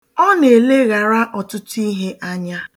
Ọ na-eleghara ọtụtụ ihe anya.